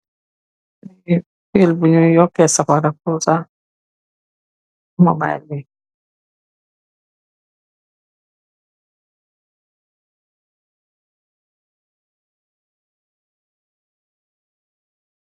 Fil bunyu yoker arafa pul sah momaile bi.